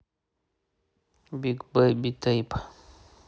биг бейби тейп